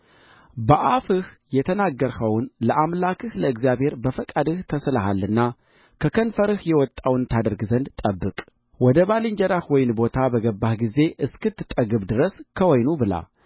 በአፍህ የተናገርኸውን ለአምላክህ ለእግዚአብሔር በፈቃድህ ተስለሃልና ከከንፈርህ የወጣውን ታደርግ ዘንድ ጠብቅ ወደ ባልንጀራህ ወይን ቦታ በገባህ ጊዜ እስክትጠግብ ድረስ ከወይኑ ብላ